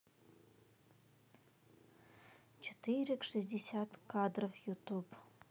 четыре к шестьдесят кадров ютуб